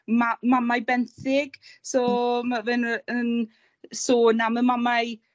ma- mamau benthyg. So ma' fe'n yy yn sôn am y mamau